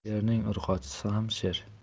sherning urg'ochisi ham sher